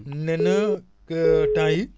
nee na temps yii